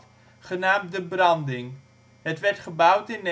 genaamd De Branding. Het werd gebouwd in